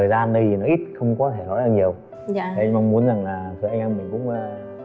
thời gian ở đây thì nó ít không có thể nói được nhiều dạ thì anh mong muốn rằng là có em thì cũng